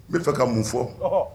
N b'a fɛ ka mun fɔ